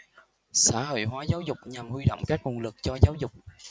xã hội hóa giáo dục nhằm huy động các nguồn lực cho giáo dục